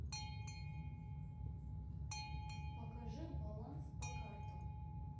покажи баланс по картам